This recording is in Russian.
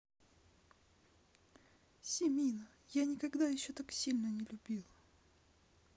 семина я никогда еще так сильно не любила